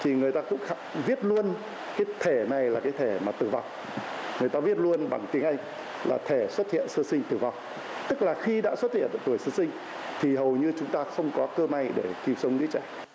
thì người ta tự khắc viết luôn cái thể này là cái thể mà tử vong người ta viết luôn bằng tiếng anh là thể xuất hiện sơ sinh tử vong tức là khi đã xuất hiện ở độ tuổi sơ sinh thì hầu như chúng ta không có cơ may để cứu sống đứa trẻ